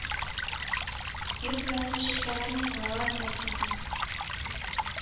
Юк, язмыш иркәләми Салават Гайсинны